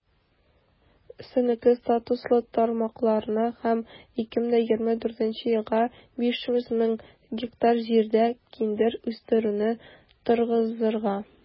Өстенлекле статуслы тармакларны һәм 2024 елга 500 мең гектар җирдә киндер үстерүне торгызырга.